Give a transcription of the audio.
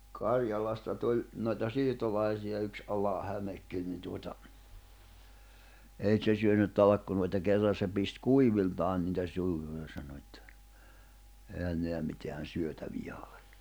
Karjalasta tuli noita siirtolaisia yksi Alahämekin niin tuota ei se syönyt talkkunoita kerran se pisti kuiviltaan niitä suuhunsa se sanoi että eihän nämä mitään syötäviä ole